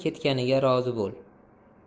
ketganiga rozi bo'l